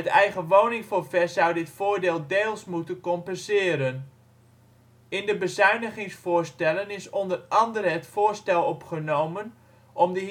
eigenwoningforfait zou dit voordeel deels moeten compenseren. In de bezuinigingsvoorstellen is onder andere het voorstel opgenomen om de